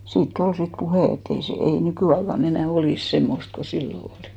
siitä oli sitten puhe että ei se ei nykyaikana enää olisi semmoista kuin silloin oli